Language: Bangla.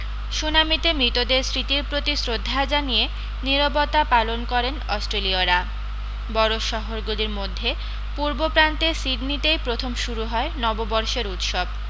সুনামিতে মৃতদের স্মৃতির প্রতি শ্রদ্ধা জানিয়ে নীরবতা পালন করেন অস্ট্রেলীয়রা বড় শহরগুলির মধ্যে পূর্বপ্রান্তে সিডনিতেই প্রথম শুরু হয় নববর্ষের উৎসব